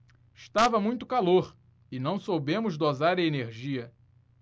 estava muito calor e não soubemos dosar a energia